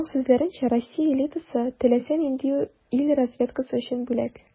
Аның сүзләренчә, Россия элитасы - теләсә нинди ил разведкасы өчен бүләк.